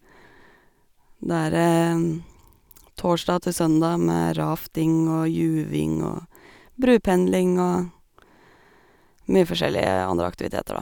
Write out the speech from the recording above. Da er det torsdag til søndag med rafting og juving og brupendling og mye forskjellige andre aktiviteter, da.